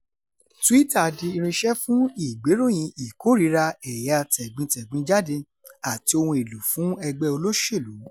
Twitter di irinṣẹ́ fún ìgbéròyìn ìkórìíra ẹ̀yà tẹ̀gbintẹ̀gbin jáde àti ohun èlò fún ẹgbẹ́ olóṣèlú.